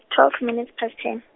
twelve minutes past ten.